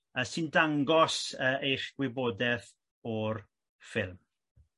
yy sy'n dangos yy eich gwybodaeth o'r ffilm.